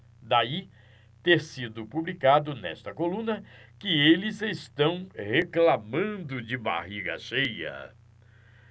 daí ter sido publicado nesta coluna que eles reclamando de barriga cheia